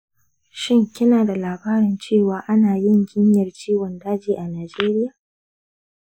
shin kina da labarin cewa anayin jinyar ciwon daji a nijeriya?